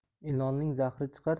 ilonning zahri chiqar